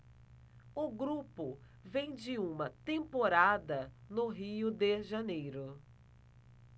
o grupo vem de uma temporada no rio de janeiro